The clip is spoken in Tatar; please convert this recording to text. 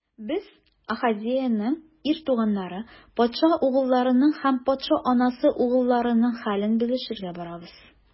Без - Ахазеянең ир туганнары, патша угылларының һәм патша анасы угылларының хәлен белешергә барабыз.